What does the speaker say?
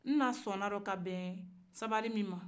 na sɔnn'a la ka bɛn sabari min ma